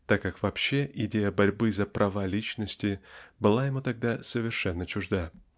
так как вообще идея борьбы за права личности была ему тогда совершенно чужда.